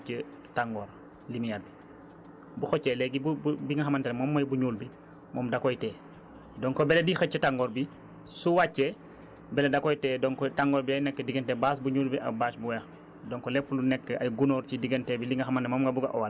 xam nga loolu ban njëriñ la am bâche bu weex bi day xëcc tàngoor lumière bi bu xëccee léegi bu bi nga xamante ne moom mooy bu ñuul bi moom da koy téye donc bële di xëcc tàngoor bi su wàccee bële da koy téye donc tàngoor bi day nekk diggante bâche bu ñuul bi ak bâche bu weex bi